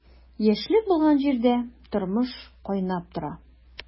Яшьлек булган җирдә тормыш кайнап тора.